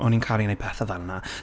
O'n i'n caru wneud pethe fel 'na.